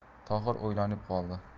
tohir o'ylanib qoldi